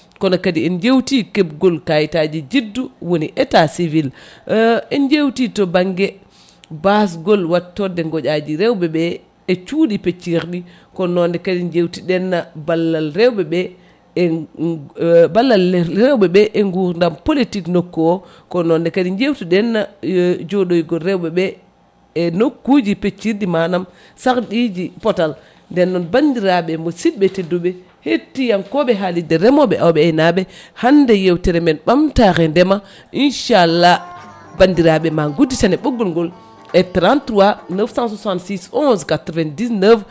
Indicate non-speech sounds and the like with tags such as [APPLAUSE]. kono kadi en jewti kebgol kayitaji juddu woni état civil [HESITATION] en jewti to banggue basgol wattorde goƴaji rewɓeɓe e cuuɗi peccirɗi kono noon kadi jewtidɗen ballal rewɓeɓe e [HESITATION] ballal rewɓeɓe e gurdam politique nokku o kono noonne kadi jewtuɗen [HESITATION] joɗoygol rewɓeɓe e nokkuji peccirɗi manam sarɗiji pootal nden noon bandiraɓe musidɓe tedduɓe hettiyankoɓe haalirde remoɓe awoɓe e aynaɓe hande yewtere men ɓamtre ndeema inchallah bandiraɓe ma gudditane ɓoggol ngol e 33 966 11 99